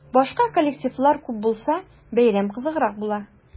Башка коллективлар күп булса, бәйрәм кызыграк була.